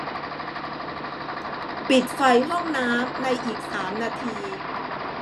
ปิดไฟห้องน้ำในอีกสามนาที